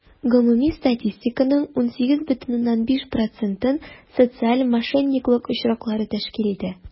Гомуми статистиканың 18,5 процентын социаль мошенниклык очраклары тәшкил итә.